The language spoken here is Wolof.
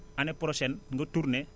année prochaine nga tourné